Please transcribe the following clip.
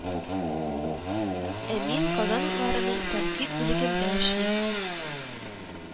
Ә мин «Казан утлары»ның тәнкыйть бүлегендә эшли